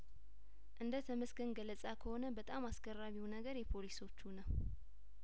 እንደ ተመስገን ገለጻ ከሆነ በጣም አስገራሚው ነገር የፖሊሶቹ ነው